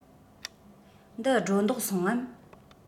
འདི སྒྲོ འདོགས སོང ངམ